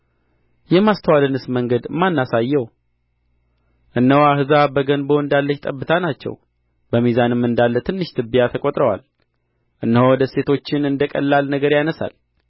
የማስተዋልንስ መንገድ ማን አሳየው እነሆ አሕዛብ በገንቦ እንዳለች ጠብታ ናቸው በሚዛንም እንዳለ ትንሽ ትቢያ ተቈጥረዋል እነሆ ደሴቶችን እንደ ቀላል ነገር ያነሣል